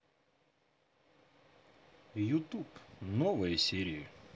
ютуб новые серии